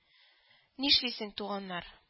Нишлисең, туганнар